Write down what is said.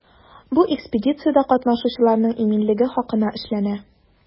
Бу экспедициядә катнашучыларның иминлеге хакына эшләнә.